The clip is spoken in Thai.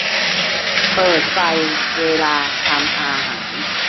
เปิดไฟเวลาทำอาหาร